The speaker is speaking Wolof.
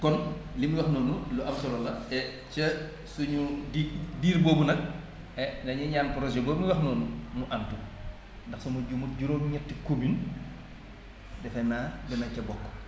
kon li muy wax noonu lu am solo la te ca suñu di diir boobu nag eh nañuy ñaan projet boobu nga wax noonu mu antu ndax su ma juumut juróom-ñeeti communes defe naa dana ca bokk